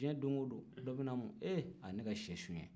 diɲɛ don o don dɔ bɛ n'a ma ee a ye ne ka se sonya